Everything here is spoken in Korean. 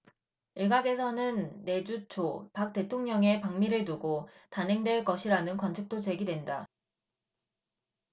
일각에서는 내주 초 박 대통령의 방미를 앞두고 단행될 것이라는 관측도 제기된다